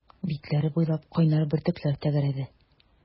Битләре буйлап кайнар бөртекләр тәгәрәде.